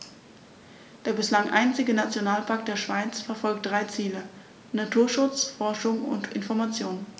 Der bislang einzige Nationalpark der Schweiz verfolgt drei Ziele: Naturschutz, Forschung und Information.